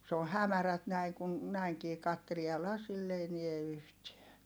se on hämärät näin kun näinkin katselee ja lasilla ei näe yhtään